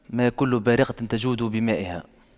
ما كل بارقة تجود بمائها